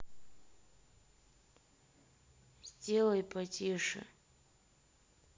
сделай потише